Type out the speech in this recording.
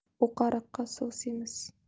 o'qariqda suv semiz